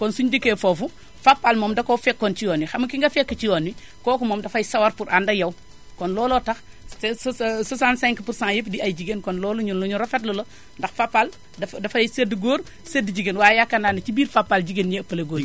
kon suñu dikkee foofu Fapal moom dakoo fekkoon ci yoon wi xam nga ki nga fekk ci yoon wi kooku moom dafay sawar pour ànd ak yow kon loolu moo tax 65% yépp di ay jigéen kon loolu ñun luñu rafetlu la ndax Fapal dafay sédd góor sédd jigéen waaye yaakaar naa ne ci biir Fapal jigéen ñee ëppale góor yi